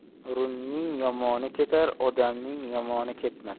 running yomoni ketar odamning yomoni ketmas